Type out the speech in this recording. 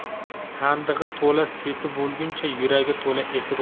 sandig'i to'la sepi bo'lguncha yuragi to'la epi bo'lsin